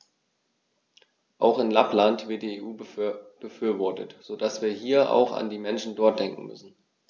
Auch in Lappland wird die EU befürwortet, so dass wir hier auch an die Menschen dort denken müssen.